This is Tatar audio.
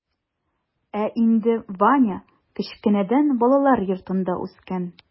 Ә инде ваня кечкенәдән балалар йортында үскән.